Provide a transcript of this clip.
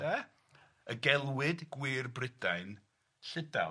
... de y gelwid gwir Brydain, Llydaw.